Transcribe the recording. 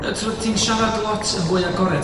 A t'mod ti'n siarad lot yn fwy agored,